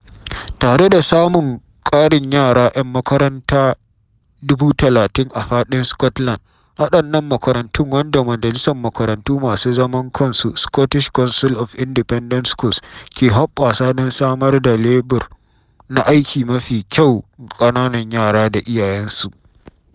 Tare da samun ƙarin yara ‘yan makaranta 30,000 a faɗin Scotland, wadannan makarantun, wanda Majalisar Makarantu Masu Zaman Kansu (Scottish Council of Independent Schools), ke hoɓɓasa don samar da lebur na aiki mafi kyau ga ƙananan yara da iyayensu.